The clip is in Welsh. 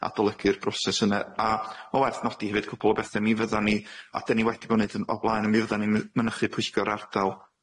adolygu'r broses yne, a o werth nodi hefyd cwpwl o bethe mi fyddan ni, a 'dyn ni wedi bo' neud hyn o blaen, a mi fyddan ni my- mynychu pwyllgor ardal